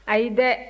ayi dɛ